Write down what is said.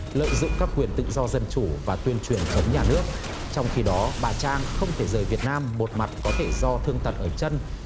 lợi dụng các quyền tự do dân chủ và tuyên truyền chống nhà nước trong khi đó bà trang không thể rời việt nam một mặt có thể do thương tật ở chân